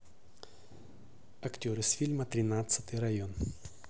актер из фильма тринадцатый район